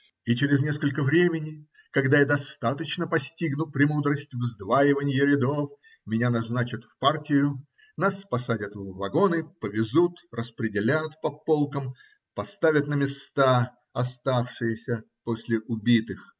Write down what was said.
И через несколько времени, когда я достаточно постигну премудрость вздваиванья рядов, меня назначат в партию, нас посадят в вагоны, повезут, распределят по полкам, поставят на места, оставшиеся после убитых.